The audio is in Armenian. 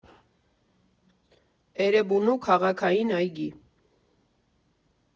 Էրեբունու քաղաքային այգի։